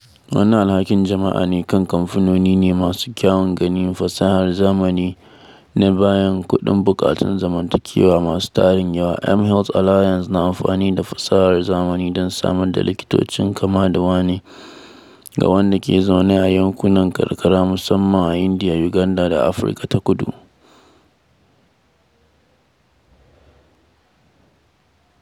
“Wannan alhakin jama'a ne kan kamfanoni ne mai kyawun gani — fasahar zamani na biyan tarin buƙatun zamantakewa masu tarin yawa… mHealth Alliance na amfani da fasahar zamani don samar da likitocin kama-da-wane ga waɗanda ke zaune a yankunan karkara, musamman a Indiya, Uganda da Afirka ta Kudu.”